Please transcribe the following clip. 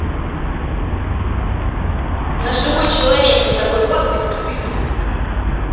ножевой человек не такой классный как ты